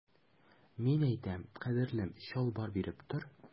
Мин әйтәм, кадерлем, чалбар биреп тор.